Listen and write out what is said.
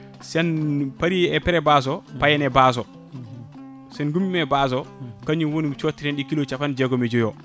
sen paari e pré-base o payen e base o sen gummima e base o kañum woni ko cotteten ɗi kilo capanɗe jeegom e jooyi o